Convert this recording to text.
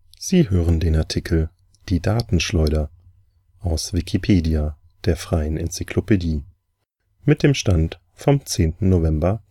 Sie hören den Artikel Die Datenschleuder, aus Wikipedia, der freien Enzyklopädie. Mit dem Stand vom Der